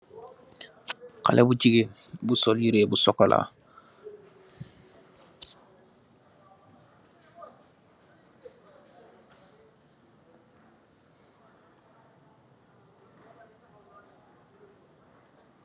Xaleh bu gigeen bu sol yirèh bu sokola.